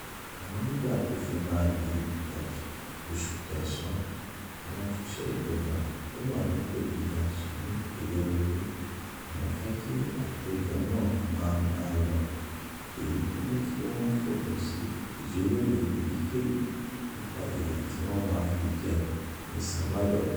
Àmọ́ nígbà tó fi máa di ìdajì oṣù kẹsàn-án, àwọn òṣìṣẹ́ ìjọba tó wà nípò gíga sọ ní kedere pé àwọn fẹ́ kí àpéjọ náà máa bá a lọ, èyí tó mú kí wọ́n fòpin sí ìjíròrò èyíkéyìí nípa ìyà tí wọ́n máa fi jẹ El Salvador.